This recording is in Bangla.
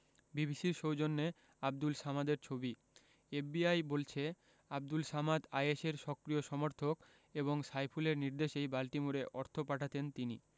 বিবিসির সৌজন্যে আবদুল সামাদের ছবি এফবিআই বলছে আবদুল সামাদ আইএসের সক্রিয় সমর্থক এবং সাইফুলের নির্দেশেই বাল্টিমোরে অর্থ পাঠাতেন তিনি